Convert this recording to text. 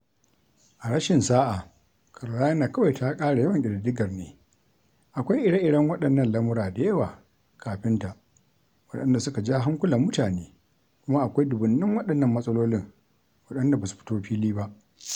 A rashin sa'a, Carolina kawai ta ƙara yawan ƙididdigar ne, akwai ire-iren waɗannan lamura da yawa kafin ta waɗanda suka ja hankulan mutane kuma akwai dubunnan waɗannan matsalolin waɗanda ba su fito fili ba.